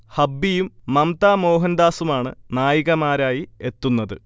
ഹബ്ബിയും മമ്ത മോഹൻദാസുമാണ് നായികമാരായി എത്തുന്നത്